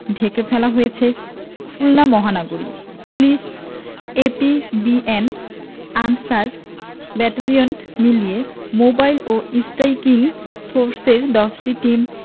ঢেকে ফেলা হয়েছে খুলনা মহানগরী পুলিশ এপিবিএন আনসার ব্যাটালিয়ন মিলিয়ে মোবাইল ও স্ট্রাইকিং ফোর্সের ১০টি টিম